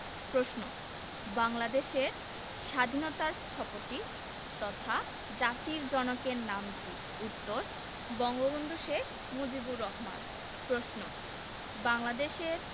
প্রশ্ন বাংলাদেশের স্বাধীনতার স্থপতি তথা জাতির জনকের নাম কী উত্তর বঙ্গবন্ধু শেখ মুজিবুর রহমান প্রশ্ন বাংলাদেশের